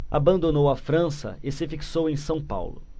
abandonou a frança e se fixou em são paulo